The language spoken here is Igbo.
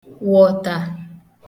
wọ̀tà